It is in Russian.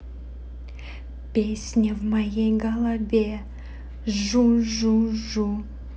песня в моей голове жужужу